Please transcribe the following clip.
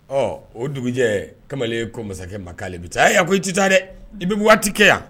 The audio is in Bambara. Ɔ o dugujɛ kamalen ko masakɛ ma kale bi taa. A ko i ti taa dɛ i bi waati kɛ yan.